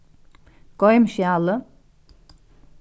goym skjalið